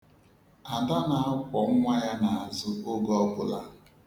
Ada na-akwọ nnwa ya n'azụ oge ọ bụla.